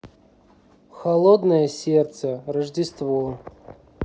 холодное сердце рождество